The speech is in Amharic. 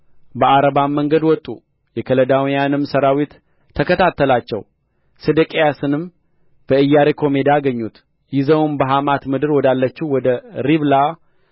በዓረባም መንገድ ወጡ የከለዳውያንም ሠራዊት ተከታተላቸው ሴዴቅያስንም በኢያሪኮ ሜዳ አገኙት ይዘውም በሐማት ምድር ወዳለችው ወደ ሪብላ